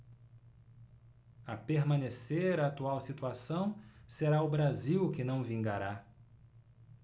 a permanecer a atual situação será o brasil que não vingará